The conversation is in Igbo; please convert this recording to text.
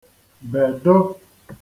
bèdo